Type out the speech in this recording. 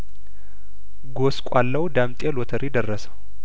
ጐስቋላው ዳምጤ ሎተሪ ደረሰው